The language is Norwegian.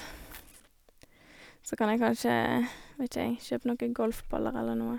Så kan jeg kanskje, vet ikke, jeg, kjøpe noe golfballer eller noe.